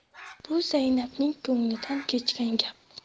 bu zaynabning ko'nglidan kechgan gap